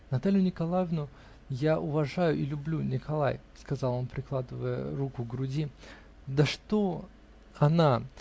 Наталью Николаевну я уважаю и люблю, Николай, -- сказал он, прикладывая руку к груди, -- да что она?.